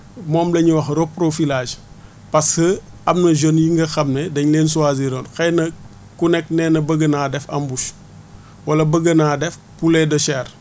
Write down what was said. moom la ñuy wax reprofilation parce que am na jeunes yu nga xam ne dañ leen choisir xëy na ku nekk nee na bëgg naa def embauche wala bëgg naa def poulet de chair